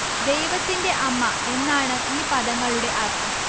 ദൈവത്തിന്റെ അമ്മ എന്നാണ് ഈ പദങ്ങളുടെ അർത്ഥം